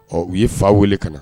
Ɔ u ye fa weele ka na.